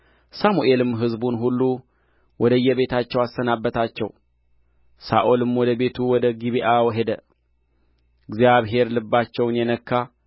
ሳሙኤልም ሕዝቡን ሁሉ ወደ እየቤታቸው አሰናበታቸው ሳኦልም ወደ ቤቱ ወደ ጊብዓ ሄደ እግዚአብሔር ልባቸውን የነካ